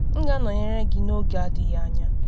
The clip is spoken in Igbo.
M ga-anọnyere gị n’oge adịghị anya.